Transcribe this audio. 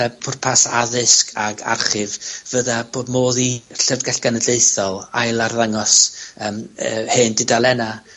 y pwrpas addysg ag archif, fydda bod modd i Llyfrgell Genedlaethol ail arddangos yym yy hen dudalena